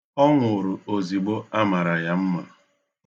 Ọ nwụrụ ozigbo a mara ya mma.